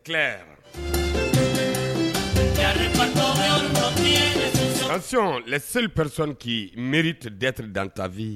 Tile ansi laseli presi' miiri datiri dantabi